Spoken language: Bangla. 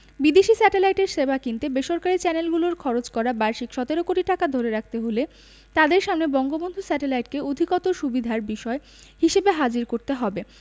বিদেশি স্যাটেলাইটের সেবা কিনতে বেসরকারি চ্যানেলগুলোর খরচ করা বার্ষিক ১৭ কোটি টাকা ধরে রাখতে হলে তাদের সামনে বঙ্গবন্ধু স্যাটেলাইটকে অধিকতর সুবিধার বিষয় হিসেবে হাজির করতে হবে